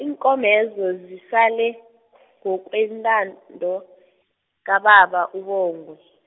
iinkomezo zisale , ngokwentando kababa uBongwe.